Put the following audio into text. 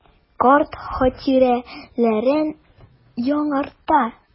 Карт хатирәләрен яңарта.